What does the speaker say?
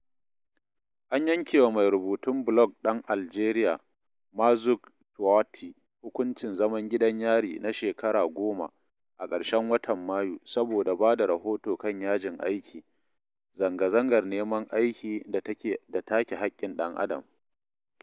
An yankewa mai rubutun blog ɗan Aljeriya, Merzoug Touati, hukuncin zaman gidan yari na shekaru goma a ƙarshen watan Mayu saboda ba da rahoto kan yajin aiki, zanga-zangar neman aiki da take haƙƙkin ɗan adam.